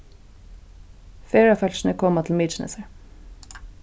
ferðafólkini koma til mykinesar